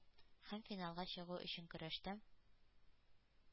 Һәм финалга чыгу өчен көрәштә